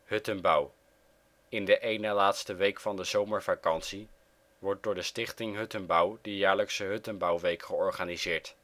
Huttenbouw: In de een-na-laatste week van de zomervakantie wordt door de stichting Huttenbouw de jaarlijkse Huttenbouwweek georganiseerd